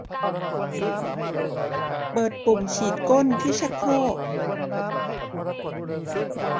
เปิดปุ่มฉีดก้นที่ชักโครก